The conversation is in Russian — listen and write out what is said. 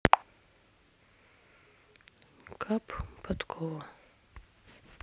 кап подкова